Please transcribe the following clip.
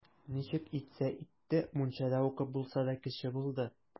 Ничек итсә итте, мунчада укып булса да, кеше булды.